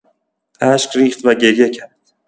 اشک ریخت و گریه کرد.